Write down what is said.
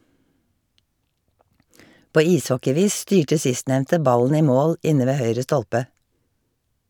På ishockeyvis styrte sistnevnte ballen i mål inne ved høyre stolpe.